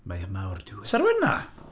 Mae yma o'r diwedd... Oes 'na rywun yna?